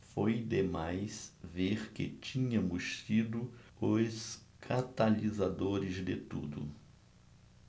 foi demais ver que tínhamos sido os catalisadores de tudo